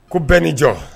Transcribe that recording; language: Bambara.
Ko bɛɛ ni jɔ